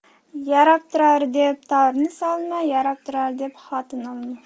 yarab turar deb torn solma yarab turar deb xotin olma